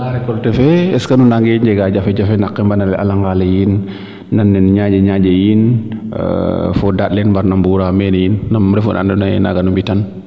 bala recolte fee est que nuna nge jega jafe jafe na qembana le a langaale yiin nana nen ñanje ƴanje yiin fo daand le nu mbarna mbuura meene yiin nam refu na ando naye naaga nu mbitan